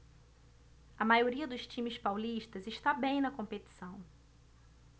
a maioria dos times paulistas está bem na competição